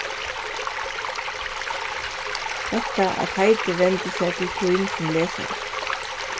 hetta at heitið vendir sær til tín sum lesara